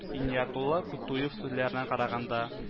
Иниятулла Кутуев сүзләренә караганда